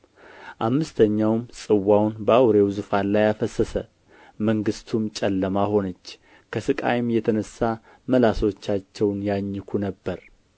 አምስተኛውም ጽዋውን በአውሬው ዙፋን ላይ አፈሰሰ መንግሥቱም ጨለማ ሆነች ከስቃይም የተነሳ መላሶቻቸውን ያኝኩ ነበር